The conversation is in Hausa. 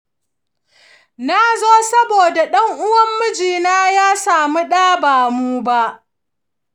na zo saboda ɗan uwan mijina ya samu ɗa ba mu ba.